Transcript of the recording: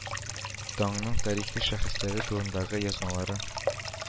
Таңның тарихи шәхесләре турындагы язмалары